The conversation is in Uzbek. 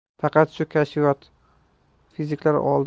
faqat bu kashfiyot fiziklar